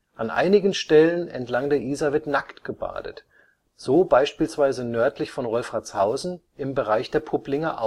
An einigen Stellen entlang der Isar wird nackt gebadet, so beispielsweise nördlich von Wolfratshausen im Bereich der Pupplinger